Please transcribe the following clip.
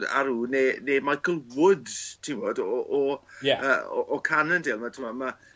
Aru ne' ne' Micheal Woods ti'mod o o yy o o Cannondale ma' ti'mod ma'